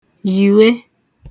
yìwe